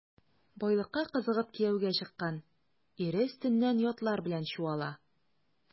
Байлыкка кызыгып кияүгә чыккан, ире өстеннән ятлар белән чуала.